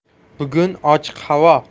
bugun ochiq havo